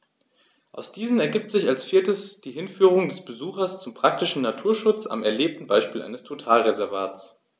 Aus diesen ergibt sich als viertes die Hinführung des Besuchers zum praktischen Naturschutz am erlebten Beispiel eines Totalreservats.